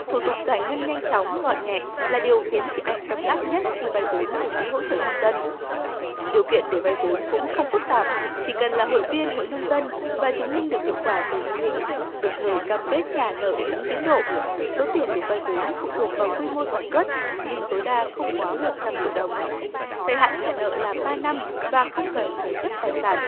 thủ tục giải ngân nhanh chóng gọn nhẹ là điều khiến chị anh tâm đắc nhất khi vay vốn từ quỹ hỗ trợ nông dân điều kiện để vay vốn cũng không phức tạp chỉ cần là hội viên hội nông dân và chứng minh được hiệu quả từ mô hình đồng thời cam kết trả nợ đúng tiến độ rút tiền được vay vốn phụ thuộc vào quy mô sản xuất nhưng tối đa không quá một trăm triệu đồng thời hạn trả nợ là ba năm và không cần thế chấp tài sản